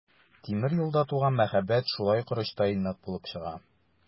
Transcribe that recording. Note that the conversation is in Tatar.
Тимер юлда туган мәхәббәт шулай корычтай нык булып чыга.